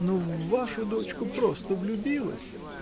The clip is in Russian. но в вашу дочку просто влюбилась.